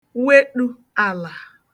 weṭù àlà